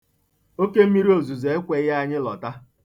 Oke mmiri ozuzo ekweghị anyị lọta.